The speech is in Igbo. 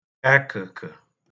ẹkə̣̀kə̣